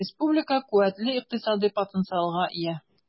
Республика куәтле икътисади потенциалга ия.